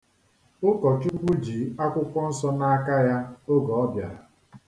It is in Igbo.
Ukọchukwu ji akwụkwọ nsọ n'aka ya oge ọ bịara.